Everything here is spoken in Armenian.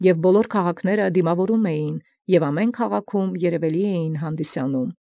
Եւ ամենայն քաղաքացն պատահելով, ի քաղաքին պայծառագոյն երևէին։